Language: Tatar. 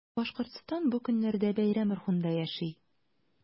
Башкортстан бу көннәрдә бәйрәм рухында яши.